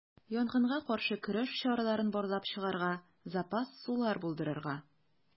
Янгынга каршы көрәш чараларын барлап чыгарга, запас сулар булдырырга.